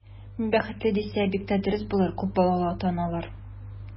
Мин бәхетле, дисә, бик тә дөрес булыр, күп балалы ата-аналар.